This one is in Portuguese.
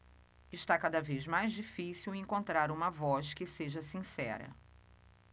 está cada vez mais difícil encontrar uma voz que seja sincera